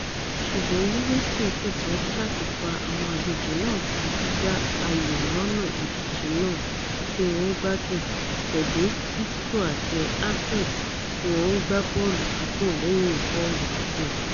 Ṣùgbọn Livinston tẹ̀síwájú láti fa àwọn àlejò náà sí gbígbá ayò lọ́nà ìdíje náà tíwọ́n gbádùn, pẹ̀lú Lithgow àti Halkett tíwọ́n ńgbá bọ́ọ̀lù gígùn lẹ́yìn bọ́ọ̀lù gígùn.